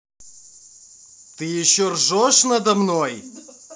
ты еще ржешь надо мной